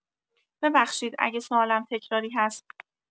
ببخشید اگه سوالم تکراری هست.